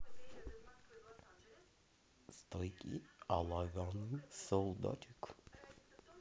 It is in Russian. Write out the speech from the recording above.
стойкий оловянный солдатик